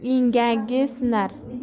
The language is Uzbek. toyning engagi sinar